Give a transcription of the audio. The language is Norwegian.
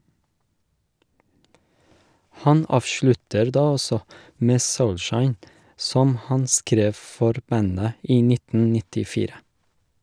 Han avslutter da også med "Soulshine", som han skrev for bandet i 1994.